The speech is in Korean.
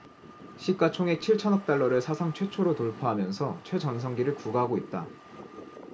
시가 총액 칠 천억 달러를 사상 최초로 돌파하면서 최전성기를 구가하고 있다